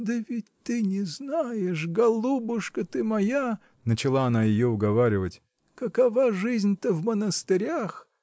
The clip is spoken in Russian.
-- Да ведь ты не знаешь, голубушка ты моя, -- начала она ее уговаривать, -- какова жизнь-то в монастырях!